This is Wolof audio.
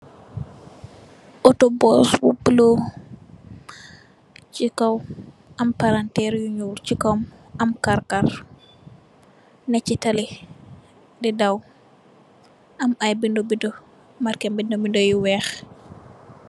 Otu bos bu bulo che kaw am palanterr yu nuul che kaw am karr karr ne che tali de daw am aye bede bede marke bede bede yu weex.